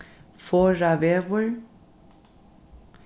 foravegur